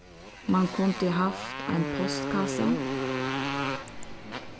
mann kundi havt ein postkassa